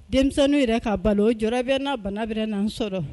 Denmisɛnninw yɛrɛ ka balo yɔrɔ bɛ n na . Bana bɛ na n sɔrɔ.